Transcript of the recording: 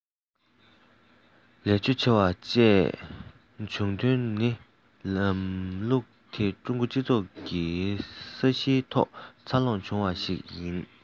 ལས ཕྱོད ཆེ བ བཅས བྱུང དོན ནི ལམ ལུགས དེ ཀྲུང གོའི སྤྱི ཚོགས ཀྱི ས གཞིའི ཐོག འཚར ལོངས བྱུང བ ཞིག ཡིན པས རེད